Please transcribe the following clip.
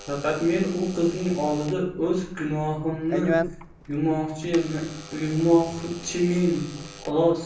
faqat men u qizning oldida o'z gunohimni yuvmoqchimen xolos